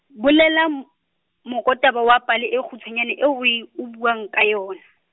bolela m-, mokotaba wa pale e kgutshwane eo e, o buang ka yona.